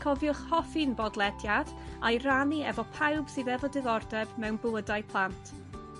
Cofiwch hoffi'n bodlediad a'i rannu efo pawb sydd efo diddordeb mewn bywydau plant